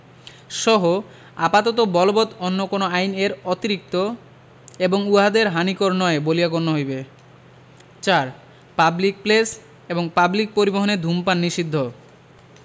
সহ আপাতত বলবৎ অন্য কোন আইন এর অতিরিক্ত এবংউহাদের হানিকর নয় বলিয়া গণ্য হইবে ৪ পাবলিক প্লেস এবং পাবলিক পরিবহণে ধূমপান নিষিদ্ধ